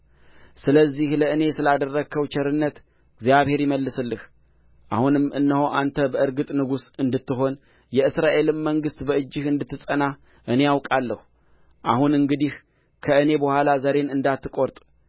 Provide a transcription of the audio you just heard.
ስለዚህ ለእኔ ስላደረግኸው ቸርነት እግዚአብሔር ይመልስልህ አሁንም እነሆ አንተ በእርግጥ ንጉሥ እንድትሆን የእስራኤልም መንግሥት በእጅህ እንድትጸና እኔ አውቃለሁ አሁን እንግዲህ ከእኔ በኋላ ዘሬን እንዳትቈርጥ